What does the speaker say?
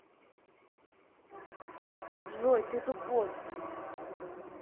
джой ты тупой